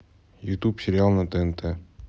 ютуб сериал на тнт